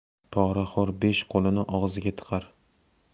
poraxo'r besh qo'lini og'ziga tiqar